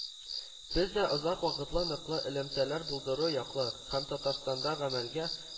Без дә озак вакытлы ныклы элемтәләр булдыру яклы һәм Татарстанда гамәлгә